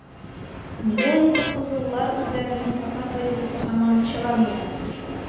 - нигә әле бу кызыллар үзләренең татар газетасын һаман чыгармыйлар?